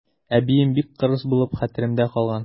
Әбием бик кырыс булып хәтеремдә калган.